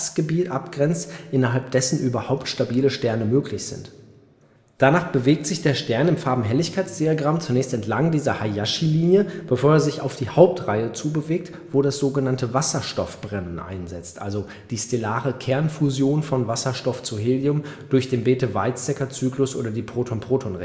Gebiet abgrenzt, innerhalb dessen überhaupt stabile Sterne möglich sind. Danach bewegt sich der Stern im Farben-Helligkeits-Diagramm zunächst entlang dieser Hayashi-Linie, bevor er sich auf die Hauptreihe zubewegt, wo das sogenannte Wasserstoffbrennen einsetzt, das heißt die stellare Kernfusion von Wasserstoff zu Helium durch den Bethe-Weizsäcker-Zyklus oder die Proton-Proton-Reaktion